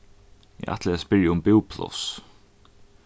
eg ætlaði at spyrja um búpláss